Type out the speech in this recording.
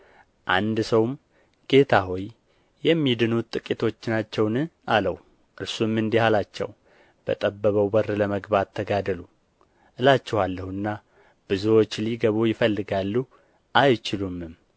አንድ ሰውም ጌታ ሆይ የሚድኑ ጥቂቶች ናቸውን አለው እርሱም እንዲህ አላቸው በጠበበው በር ለመግባት ተጋደሉ እላችኋለሁና ብዙዎች ሊገቡ ይፈልጋሉ አይችሉምም